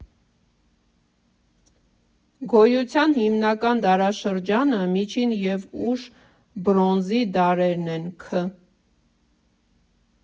Գոյության հիմնական դարաշրջանը միջին և ուշ բրոնզի դարերն են՝ Ք.